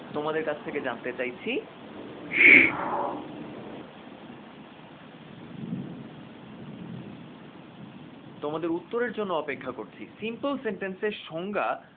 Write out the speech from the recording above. তোমাদের কাছ থেকে জানতে চাইছি তোমাদের উত্তরের জন্য অপেক্ষা করছি সিম্পল সেন্টেন্স এর সংজ্ঞা